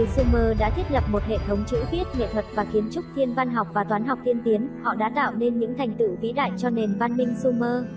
người sumer đã thiết lập một hệ thống chữ viết nghệ thuật và kiến trúc thiên văn học và toán học tiên tiến họ đã tạo nên những thành tựu vĩ đại cho nền văn minh sumer